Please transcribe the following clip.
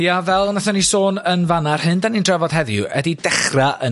Ia fel natha ni sôn yn fanna yr hyn 'da ni'n drafod heddiw ydi dechra' yn